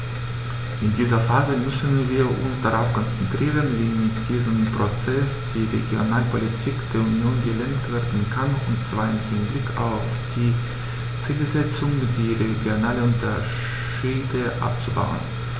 In dieser Phase müssen wir uns darauf konzentrieren, wie mit diesem Prozess die Regionalpolitik der Union gelenkt werden kann, und zwar im Hinblick auf die Zielsetzung, die regionalen Unterschiede abzubauen.